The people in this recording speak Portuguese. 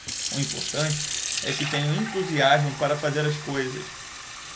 o importante é que tenho entusiasmo para fazer as coisas